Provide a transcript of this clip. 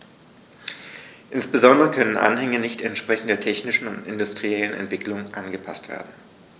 Insbesondere können Anhänge nicht entsprechend der technischen und industriellen Entwicklung angepaßt werden.